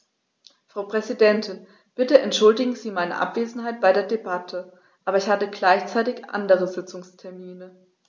Frau Präsidentin, bitte entschuldigen Sie meine Abwesenheit bei der Debatte, aber ich hatte gleichzeitig andere Sitzungstermine.